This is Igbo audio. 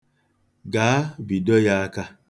Gaa, bido ya aka.